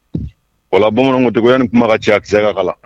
Wala bamananw dɔgɔ ni kuma ka ca tɛ se kakala